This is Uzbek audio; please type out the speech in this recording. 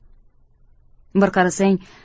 bir qarasang